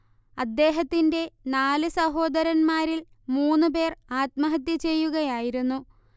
അദ്ദേഹത്തിന്റെ നാലു സഹോദരന്മാരിൽ മൂന്നുപേർ ആത്മഹത്യചെയ്യുകയായിരുന്നു